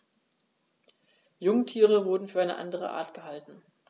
Jungtiere wurden für eine andere Art gehalten.